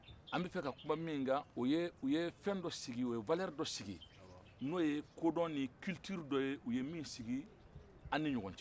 anw bɛ fɛ ka kuma min kan u ye fɛn dɔ sigi u ye valeur dɔ sigi n'o ye ko dɔn ni culture dɔ ye u ye min sigi anw n'u ni ɲɔgɔn cɛ